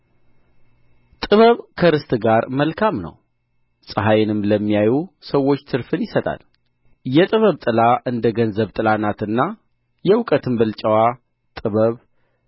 ጥበብ ከርስት ጋር መልካም ነው ፀሐይንም ለሚያዩ ሰዎች ትርፍን ይሰጣል የጥበብ ጥላ እንደ ገንዘብ ጥላ ናትና የእውቀትም ብልጫዋ ጥበብ